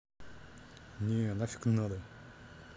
не нафиг надо